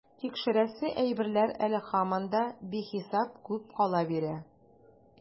Тикшерәсе әйберләр әле һаман да бихисап күп кала бирә.